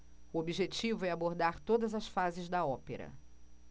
o objetivo é abordar todas as fases da ópera